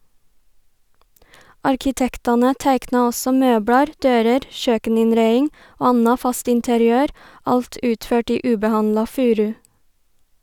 Arkitektane teikna også møblar, dører, kjøkeninnreiing og anna fast interiør, alt utført i ubehandla furu.